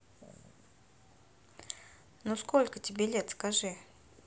ну сколько тебе лет скажи